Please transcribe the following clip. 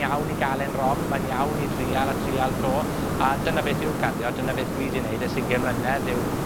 iawn i ga'l en rong, mae'n iawn i drial a trial 'to, a dyna beth yw garddio. Dyna beth dwi 'di neud ers ugen mlynedd yw